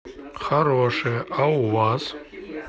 хорошее а у вас